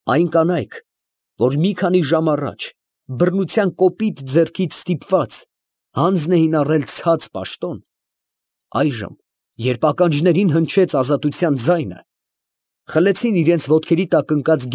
Այն կանայք, որ մի քանի ժամ առաջ, բռնության կոպիտ ձեռքից ստիպված, հանձն էին առել ցած պաշտոն, այժմ, երբ ականջներին հնչեց ազատության ձայնը, ֊ խլեցին իրանց ոտքերի տակ ընկած։